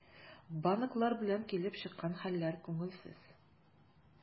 Банклар белән килеп чыккан хәлләр күңелсез.